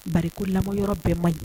Ba lamɔ yɔrɔ bɛɛ man ɲi